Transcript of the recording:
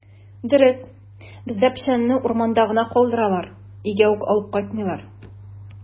Дөрес, бездә печәнне урманда гына калдыралар, өйгә үк алып кайтмыйлар.